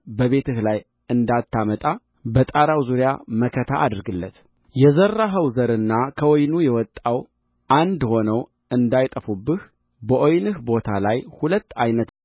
ደሙን በቤትህ ላይ እንዳታመጣ በጣራው ዙሪያ መከታ አድርግለት የዘራኸው ዘርና ከወይኑ የወጣው አንድ ሆነው እንዳይጠፉብህ በወይንህ ቦታ ላይ ሁለት ዓይነት